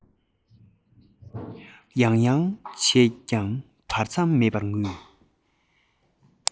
ཡང ཡང བྱས ཀྱང བར མཚམས མེད པར ངུས